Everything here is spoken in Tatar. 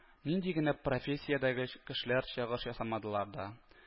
Нинди генә профессиядәге кешеләр чыгыш ясамадылар да